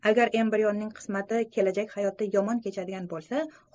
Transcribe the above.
agar embrionning qismati kelajak hayotda yomon kechadigan bo'lsa